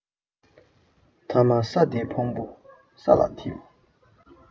ཐ མ ས རྡོའི ཕུང པོ ས ལ ཐིམ